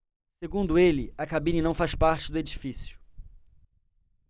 segundo ele a cabine não faz parte do edifício